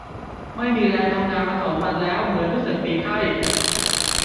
ไม่มีแรงทำงานมาสองวันแล้วเหมือนรู้สึกมีไข้